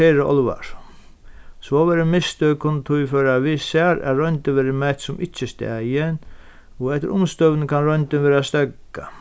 sera álvarsom sovorðin mistøk kunnu tí føra við sær at royndin verður mett sum ikki staðin og eftir umstøðunum kann royndin verða steðgað